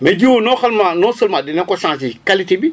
mais jiw woowu non non seulement dina ko changé qualité bi